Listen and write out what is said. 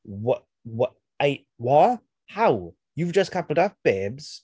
Wha- wha- I- what? How? You've just coupled up, babes.